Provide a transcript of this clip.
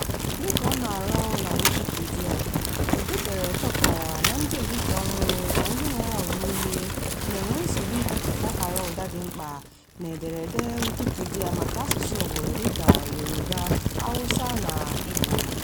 Dịka ọ na-arụ ọrụ na Wikipedia, Odedere chọpụtara na ndị editọ ọhụrụ na ndị nwere ahụmihe na-enwe nsogbu idepụta akara ụda dị mkpa n'ederede Wikipedia maka asụsụ obodo dịka Yoruba, Hausa, na Igbo.